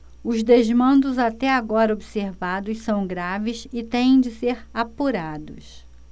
os desmandos até agora observados são graves e têm de ser apurados